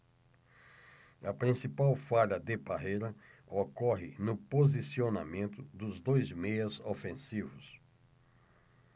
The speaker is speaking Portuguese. a principal falha de parreira ocorre no posicionamento dos dois meias ofensivos